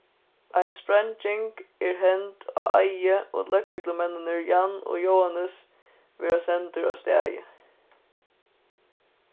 ein spreinging er hend á eiði og løgreglumenninir jan og jóannes verða sendir á staðið